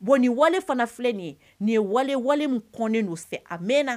Bon nin wale fana filɛ nin ye nin ye wale ye wale min kɔnnen don c'est a mɛɛna